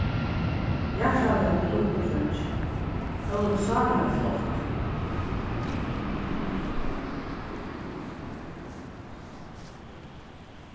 hjartaliga til lukku dreingir ólukksáliga flott